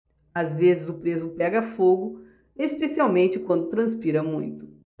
às vezes o preso pega fogo especialmente quando transpira muito